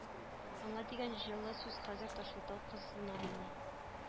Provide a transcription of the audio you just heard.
Аңа дигән җылы сүз хәзер ташлытау кызынамыни